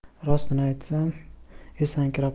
rostini aytsam esankirab qoldim